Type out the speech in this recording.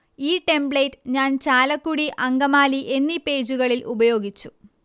ഈ ടെമ്പ്ലേറ്റ് ഞാൻ ചാലക്കുടി അങ്കമാലി എന്നീ പേജുകളിൽ ഉപയോഗിച്ചു